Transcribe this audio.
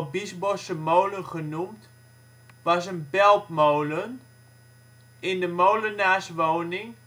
Biesbosche molen genoemd was een beltmolen. In de molenaarswoning